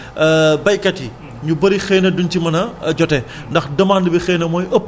mais nag produits yi des fois ak lu mu cher cher cher lu ci ëpp solo des fois baykat yi